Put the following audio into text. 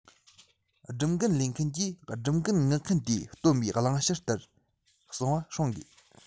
སྒྲུབ འགན ལེན མཁན གྱིས སྒྲུབ འགན མངགས མཁན དེས བཏོན པའི བླང བྱ ལྟར གསང བ བསྲུང དགོས